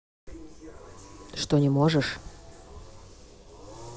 ты что не можешь